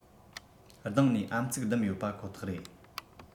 སྡང ནས ཨམ གཙིགས བསྡམས ཡོད པ ཁོ ཐག རེད